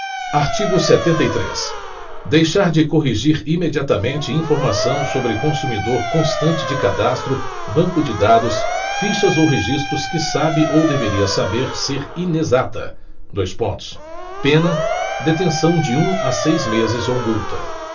artigo setenta e três deixar de corrigir imediatamente informação sobre consumidor constante de cadastro banco de dados fichas ou registros que sabe ou deveria saber ser inexata dois pontos pena detenção de um a seis meses ou multa